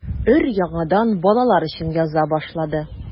Өр-яңадан балалар өчен яза башлады.